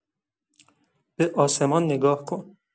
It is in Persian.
به آسمان نگاه کن.